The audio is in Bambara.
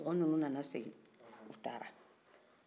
mɔgɔ nunun na segin u taara